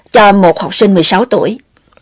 cho một học sinh mười sáu tuổi